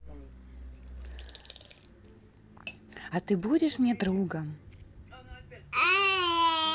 а ты будешь мне другом